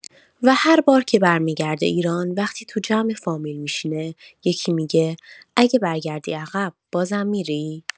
و هر بار که برمی‌گرده ایران، وقتی تو جمع فامیل می‌شینه، یکی می‌گه «اگه برگردی عقب، باز هم می‌ری؟»